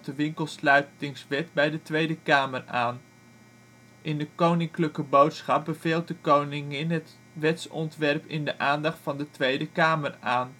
Winkelsluitingswet bij de Tweede Kamer aan. In de koninklijke boodschap beveelt de Koningin het wetsontwerp in de aandacht van de Tweede Kamer aan